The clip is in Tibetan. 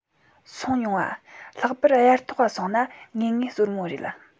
སོང མྱོང ང ལྷག པ དབྱར ཐོག ག སོང ན ངེས ངེས བསོད མོ རེད